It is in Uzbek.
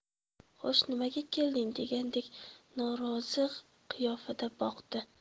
xo'sh nimaga kelding degandek norozi qiyofada boqdi